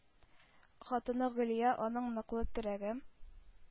Хатыны Гөлия – аның ныклы терәге.